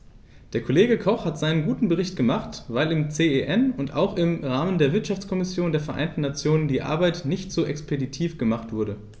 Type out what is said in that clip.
Der Kollege Koch hat seinen guten Bericht gemacht, weil im CEN und auch im Rahmen der Wirtschaftskommission der Vereinten Nationen die Arbeit nicht so expeditiv gemacht wurde.